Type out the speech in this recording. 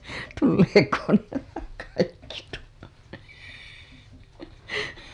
tuleekohan nämä kaikki tuonne